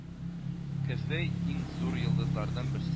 Кефей иң зур йолдызлардан берсе